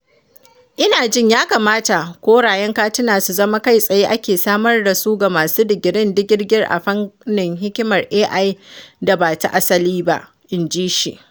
“Ina jin ya kamata korayen katina su zama kai-tsaye ake samar da su ga masu digirin-digirgir a fannin hikimar AI da ba ta asali ba,” inji shi.